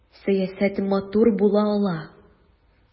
Сәясәт матур була ала!